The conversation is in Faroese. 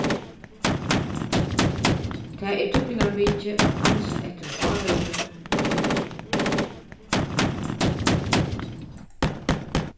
tað er týdningarmikið at ansa eftir hárinum í kuldanum